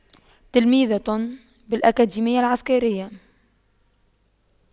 تلميذة بالأكاديمية العسكرية